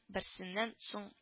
Берсеннән соң